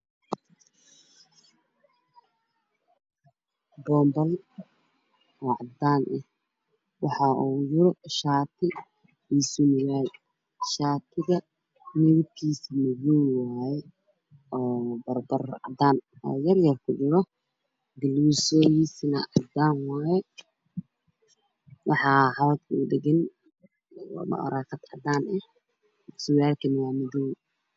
Googad waxa ugu jira shaati iyo surwal shatiga midabkisu waa madaw